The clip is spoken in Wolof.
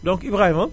donc Ibrahima